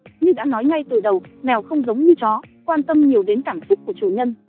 như đã nói ngay từ đầu mèo không giống như chó quan tâm nhiều đến cảm xúc của chủ nhân